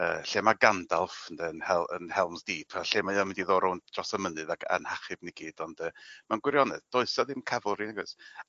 yy lle ma Gandalf ynde yn Hel- Helm's Deep a lle mae o mynd i ddo' rown' dros y mynydd ag a'n hachub ni gyd ond yy mewn gwirionedd does 'na ddim cavalry nagoes?